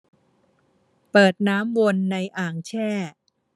เปิดน้ำวนในอ่างแช่